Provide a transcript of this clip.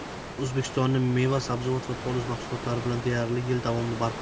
bu esa o'zbekistonni meva sabzavot va poliz mahsulotlari bilan deyarli yil davomida barqaror